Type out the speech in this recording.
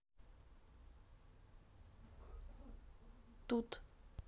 тут